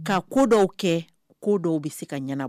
Ka ko dɔw kɛ ko dɔw bɛ se ka ɲɛna